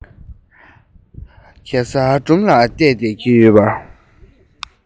གེ སར སྒྲུང ལ བལྟས བསྡད ཀྱི ཡོད པ རེད